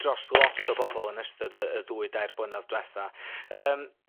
dros lot o bobol yn ystod y ddwy dair blynadd dwetha' yym.